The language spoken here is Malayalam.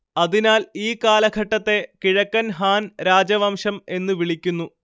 അതിനാൽ ഈ കാലഘട്ടത്തെ കിഴക്കൻ ഹാൻ രാജവംശം എന്നു വിളിക്കുന്നു